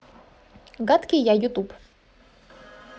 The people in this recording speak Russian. гадкий я ютуб